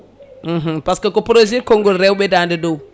par ce que ko projet kongngol rewɓe daande dow